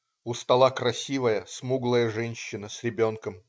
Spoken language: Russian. У стола красивая, смуглая женщина, с ребенком.